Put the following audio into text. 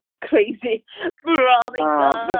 Crazy oh my god.